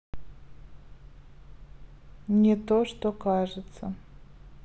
не то что кажется